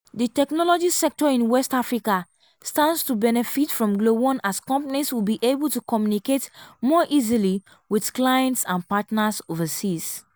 The technology sector in West Africa stands to benefit from Glo-1 as companies will be able to communicate more easily with clients and partners overseas.